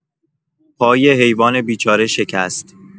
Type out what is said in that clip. پای حیوان بیچاره شکست.